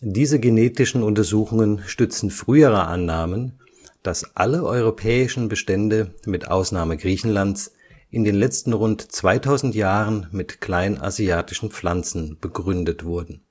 Diese genetischen Untersuchungen stützen frühere Annahmen, dass alle europäischen Bestände (mit Ausnahme Griechenlands) in den letzten rund 2000 Jahren mit kleinasiatischen Pflanzen begründet wurden